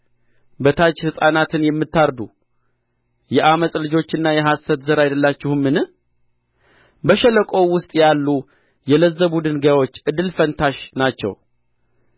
በታች ሕፃናትን የምታርዱ የዓመፅ ልጆችና የሐሰት ዘር አይደላችሁምን በሸለቆው ውስጥ ያሉ የለዘቡ ድንጋዮች እድል ፈንታሽ ናቸው